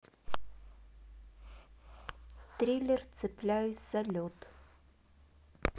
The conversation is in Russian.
триллер цепляюсь за лед